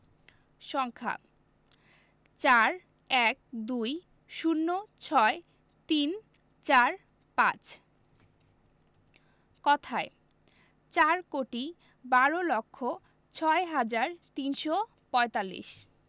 সংখ্যাঃ ৪ ১২ ০৬ ৩৪৫ কথায়ঃ চার কোটি বার লক্ষ ছয় হাজার তিনশো পঁয়তাল্লিশ